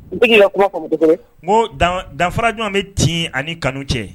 N tɛ k'i ka kuma faamu kosɛbɛ, n ko dan danfara jumɛn bɛ tin ani kanu ni ɲɔgɔn cɛ